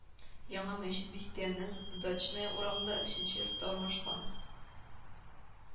Яңа мәчет бистәнең Дачная урамында, өченче йортта урнашкан